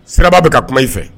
Siraba bi ka kuma in fɛ.